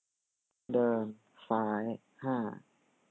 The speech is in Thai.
เดินซ้ายห้า